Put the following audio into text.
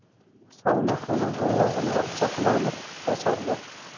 salmoq bilan oyog'ini oqsoqlanib bosardi